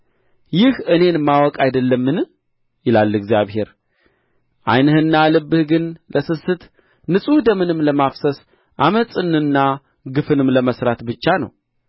ይህ እኔን ማወቅ አይደለምን ይላል እግዚአብሔር ዓይንህና ልብህ ግን ለስስት ንጹሕ ደምንም ለማፍሰስ ዓመፅንና ግፍንም ለመሥራት ብቻ ነው